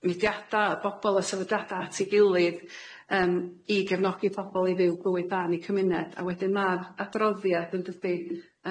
mudiada a bobol o sefydliada at ei gilydd yym i gefnogi pobol i fyw bywyd da yn eu cymuned a wedyn ma'r adroddiad yndydi?